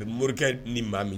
Morikɛ ni maa min